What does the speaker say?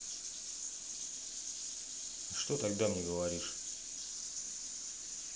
а что тогда мне говоришь